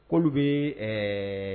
K'olu bɛ ɛɛ